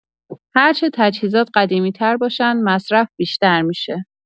هرچه تجهیزات قدیمی‌تر باشن، مصرف بیشتر می‌شه.